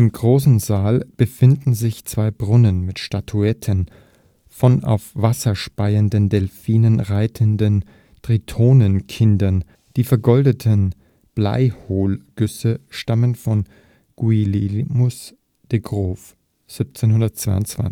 großen Saal befinden sich zwei Brunnen mit Statuetten von auf wasserspeienden Delphinen reitenden Tritonenkindern, die vergoldeten Bleihohlgüsse stammen von Guillielmus de Grof (1722